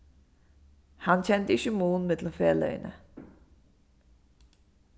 hann kendi ikki mun millum feløgini